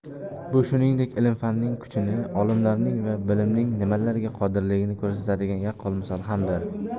bu shuningdek ilm fanning kuchini olimlarning va bilimning nimalarga qodirligini ko'rsatadigan yaqqol misol hamdir